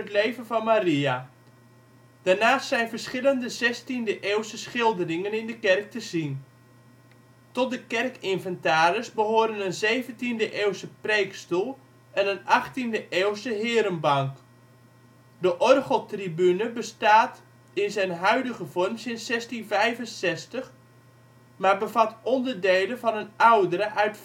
leven van Maria. Daarnaast zijn verschillende zestiende eeuwse schilderingen in de kerk te zien. Tot de kerkinventaris behoren een zeventiende eeuwse preekstoel en een achttiende eeuwse herenbank. De orgeltribune bestaat in zijn huidige vorm sinds 1665, maar bevat onderdelen van een oudere uit